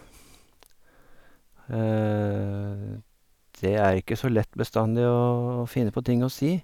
Det er ikke så lett bestandig å finne på ting å si.